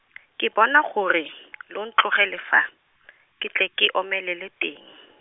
ke bona gore , lo ntlogele fa, ke tle ke omelele teng.